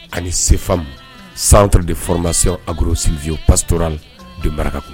Ani SFAM, centre de formation agro Silvio de Marakakungo